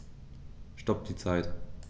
Stopp die Zeit